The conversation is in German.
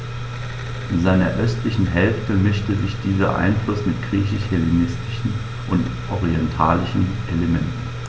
In seiner östlichen Hälfte mischte sich dieser Einfluss mit griechisch-hellenistischen und orientalischen Elementen.